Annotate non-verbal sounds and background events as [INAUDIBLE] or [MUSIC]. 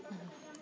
[HESITATION] [HESITATION]